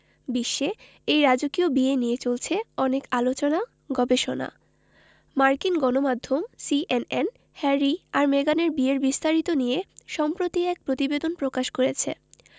বিশ্বে এই রাজকীয় বিয়ে নিয়ে চলছে অনেক আলোচনা গবেষণা মার্কিন গণমাধ্যম সিএনএন হ্যারি আর মেগানের বিয়ের বিস্তারিত নিয়ে সম্প্রতি এক প্রতিবেদন প্রকাশ করেছে